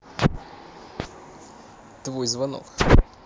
твой звонок